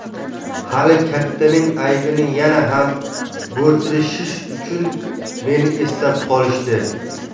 hali kattaning aybini yana ham bo'rttirish uchun meni eslab qolishdi